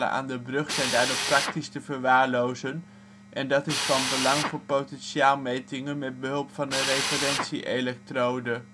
aan de brug zijn daardoor praktisch te verwaarlozen en dat is van belang voor potentiaal metingen met behulp van een referentie elektrode